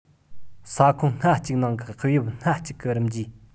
ས ཁོངས སྣ གཅིག ནང གི དཔེ དབྱིབས སྣ གཅིག གི རིམ བརྗེ